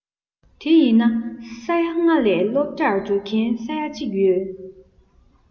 དེ ཡིན ན ས ཡ ལྔ ལས སློབ གྲྭར འགྲོ མཁན ས ཡ གཅིག ཡོད